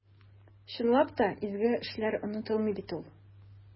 Чынлап та, изге эшләр онытылмый бит ул.